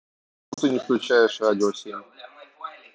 сбер ну почему ты не включаешь радио семь